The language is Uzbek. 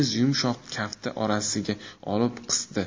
yumshoq kafti orasiga olib qisdi